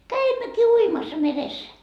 kävimmekin uimassa meressä